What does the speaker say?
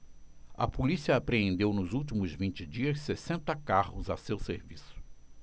a polícia apreendeu nos últimos vinte dias sessenta carros a seu serviço